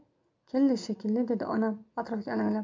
keldik shekilli dedi onam atrofga alanglab